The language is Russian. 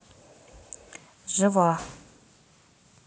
жива